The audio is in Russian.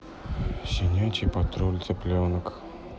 щенячий патруль цыпленок